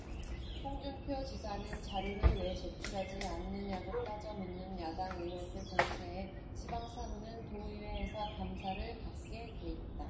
홍준표 지사는 자료를 왜 제출하지 않느냐고 따져 묻는 야당 의원들 공세에 지방 사무는 도의회에서 감사를 받게 돼 있다